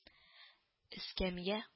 Эскәмия